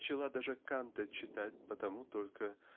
начала даже Канта читать потому только